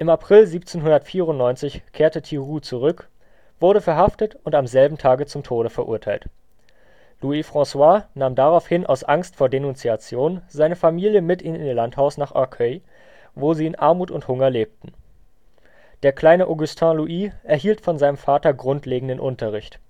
April 1794 kehrte Thiroux zurück, wurde verhaftet und am selben Tage zum Tode verurteilt. Louis-François nahm daraufhin aus Angst vor Denunziation seine Familie mit in ihr Landhaus nach Arcueil, wo sie in Armut und Hunger lebten. Der kleine Augustin Louis erhielt von seinem Vater grundlegenden Unterricht